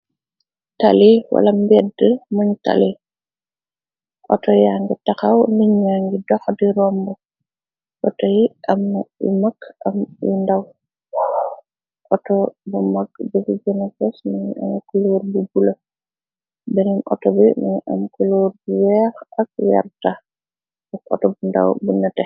Tali wala mbedd muñ tali. Auto yang taxaw niña ngi doxa di romb outo yi am u mëg am w ndaw. Ato bu mëg bagi gënafos menn am kuloor bu bula, beneen auto bi muñu am kuluur bu weex, ak werta ak auto bu ndaw bu note.